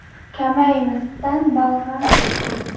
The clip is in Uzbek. kamay misdan balg'am isdan